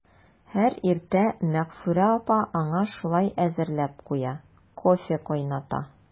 Һәр иртә Мәгъфүрә апа аңа шулай әзерләп куя, кофе кайната.